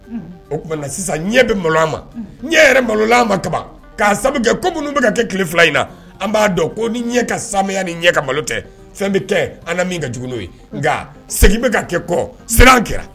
O tuma sisan malo' kɛ minnu bɛ kɛ an b'a dɔn saya ɲɛ ka malo fɛn bɛ kɛ an nka segin kɛ kɔ kɛra